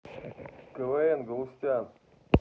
квн галустян